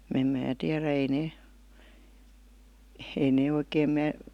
en minä tiedä ei ne ei ne oikein minä